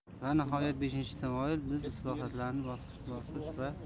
va nihoyat beshinchi tamoyil biz islohotlarni bosqichma bosqich va